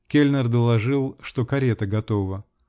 Кельнер доложил, что карета готова.